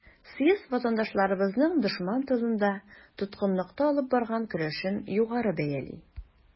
Съезд ватандашларыбызның дошман тылында, тоткынлыкта алып барган көрәшен югары бәяли.